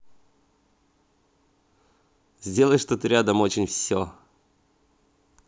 сделай что ты рядом очень все